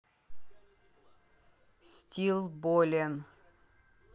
still болен